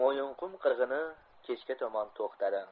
mo'yinqum qirg'ini kechga tomon to'xtadi